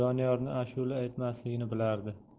doniyorni ashula aytmasligini bilardi